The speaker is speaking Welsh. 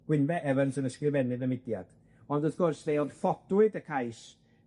Gwynfe Evans yn ysgrifennydd y mudiad, ond wrth gwrs fe wrthodwyd y cais